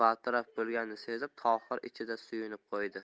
bartaraf bo'lganini sezib tohir ichida suyunib qo'ydi